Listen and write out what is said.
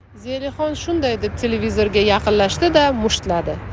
zelixon shunday deb televizorga yaqinlashdi da mushtladi